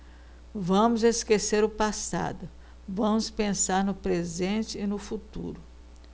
vamos esquecer o passado vamos pensar no presente e no futuro